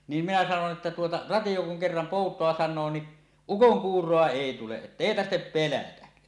niin minä sanon että tuota radio kun kerran poutaa sanoo niin ukonkuuroa ei tule että ei tarvitse pelätä